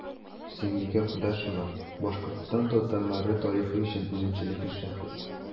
Сөембикә Кудашева – Башкортстан татарлары тарихы өчен үзенчәлекле шәхес.